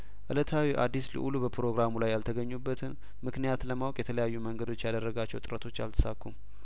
እለታዊ አዲስ ልኡሉ በፕሮግራሙ ላይ ያልተገኙበትን ምክንያት ለማወቅ የተለያዩ መንገዶች ያደረጋቸው ጥረቶች አልተሳኩም